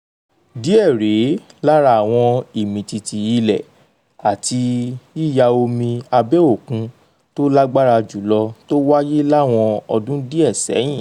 Díẹ̀ rèé lára àwọn ìmìtìtì ilẹ̀ àti yíya omi abẹ́ òkun tó lágbára jù lọ tó wáyé láwọn ọdún díẹ̀ ṣẹ́yìn: